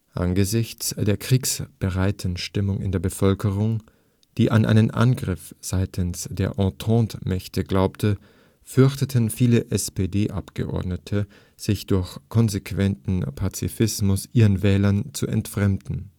Angesichts der kriegsbereiten Stimmung in der Bevölkerung, die an einen Angriff seitens der Entente-Mächte glaubte, fürchteten viele SPD-Abgeordnete, sich durch konsequenten Pazifismus ihren Wählern zu entfremden